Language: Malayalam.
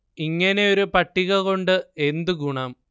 ഇങ്ങനെ ഒരു പട്ടിക കൊണ്ട് എന്തു ഗുണം